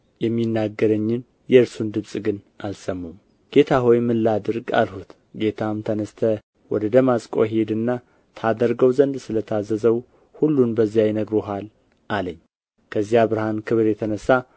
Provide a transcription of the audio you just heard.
የሚናገረኝን የእርሱን ድምፅ ግን አልሰሙም ጌታ ሆይ ምን ላድርግ አልሁት ጌታም ተነሥተህ ወደ ደማስቆ ሂድና ታደርገው ዘንድ ስለ ታዘዘው ሁሉን በዚያ ይነግሩሃል አለኝ ከዚያ ብርሃንም ክብር የተነሣ